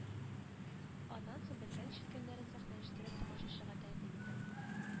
Аннан соң белгән-ишеткәннәрен сәхнәләштереп тамашачыга тәгъдим итә